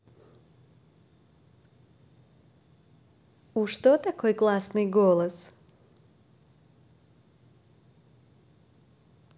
у что такой классный голос